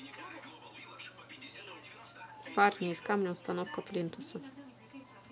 парни из камня установка плинтуса